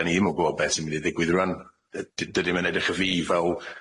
dyn ni ddim yn gwbo be' sy'n mynd i ddigwydd rŵan dy- dydi'm yn edrych i fi fel